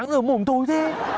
giờ mồm thối thế